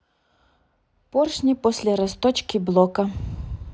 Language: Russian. поршни после росточки блока